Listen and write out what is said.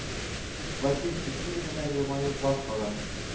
Васил сүзсез генә елмаеп баш кага